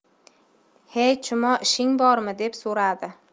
he chumo ishing bormi deb so'radi